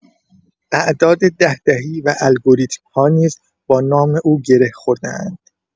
اعداد ده‌دهی و الگوریتم‌ها نیز با نام او گره خورده‌اند.